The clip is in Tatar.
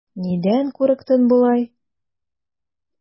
Нидән курыктың болай?